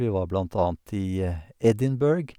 Vi var blant annet i Edinburgh.